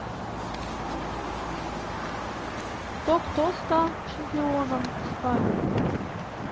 кто кто стал чемпионом испании